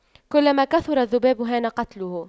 كلما كثر الذباب هان قتله